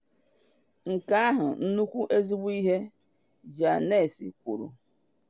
“Nke ahụ nnukwu ezigbo ihe,” Jaynes kwuru.